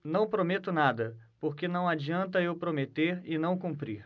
não prometo nada porque não adianta eu prometer e não cumprir